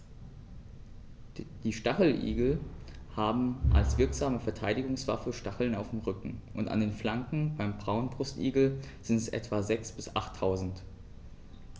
Die Stacheligel haben als wirksame Verteidigungswaffe Stacheln am Rücken und an den Flanken (beim Braunbrustigel sind es etwa sechs- bis achttausend).